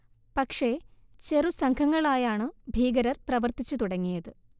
പക്ഷേ, ചെറു സംഘങ്ങളായാണു ഭീകരർ പ്രവർത്തിച്ചു തുടങ്ങിയത്